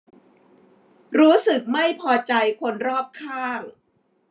รู้สึกไม่พอใจคนรอบข้าง